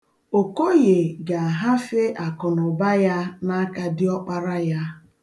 Okoye ga-ahafe akụnụba ya n'aka di ọkpara ya.